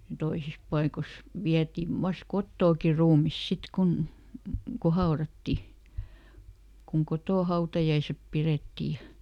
toisissa paikoissa vietiin vain kotoakin ruumis sitten kun kun haudattiin kun kotona hautajaiset pidettiin ja